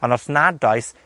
Ond os nad oes,